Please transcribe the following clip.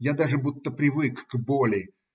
Я даже будто привык к боли.